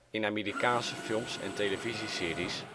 In Amerikaanse films en televisieseries